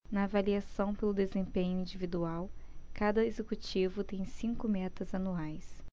na avaliação pelo desempenho individual cada executivo tem cinco metas anuais